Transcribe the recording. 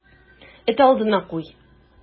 Эт алдына куй.